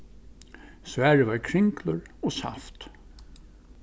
svarið var kringlur og saft